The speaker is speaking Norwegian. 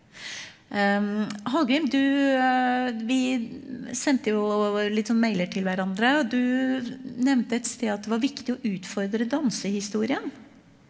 Halgrim, du vi sendte jo litt sånn mailer til hverandre og du nevnte et sted at det var viktig å utfordre dansehistorien.